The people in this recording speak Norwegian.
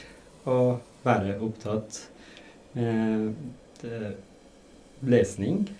Og være opptatt med lesning.